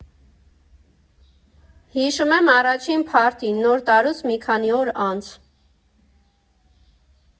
Հիշում եմ առաջին փարթին, Նոր տարուց մի քանի օր անց։